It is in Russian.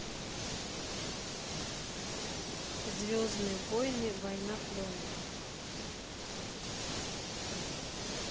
звездные воины война клонов